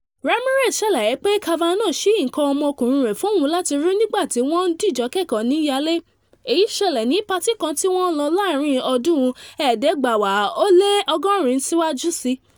Ramirez ṣàlàyé pé Kavanaugh ṣí nǹkan ọmọkùnrin rẹ̀ fún òun láti rí nígbà tí wọ́n ń dìjọ kẹ́kọ̀ọ́ ní Yale. Èyí ṣẹlẹ̀ ni patí kan tí wọ́n lọ láàrin ọdún 1980 síwájú sí i.